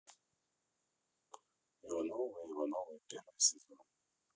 ивановы ивановы первый сезон